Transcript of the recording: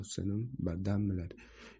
ovsinim bardammilar